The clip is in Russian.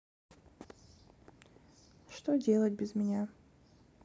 что делать без меня